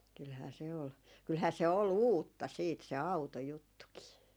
kyllähän se oli kyllähän se oli uutta sitten se autojuttukin